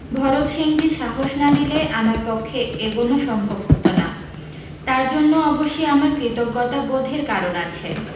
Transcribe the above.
ভরত সিংজী সাহস না দিলে আমার পক্ষে এগোনো সম্ভব হতো না তার জন্য অবশ্যি আমার কৃতজ্ঞতাবোধের কারণ আছে